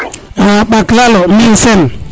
a ɓak lalo Njene Sene